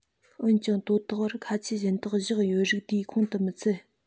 འོན ཀྱང དོ བདག བར ཁ ཆད གཞན དག བཞག ཡོད རིགས དེའི ཁོངས སུ མི ཚུད